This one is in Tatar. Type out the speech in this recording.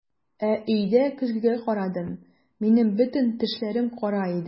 Ә өйдә көзгегә карадым - минем бөтен тешләрем кара иде!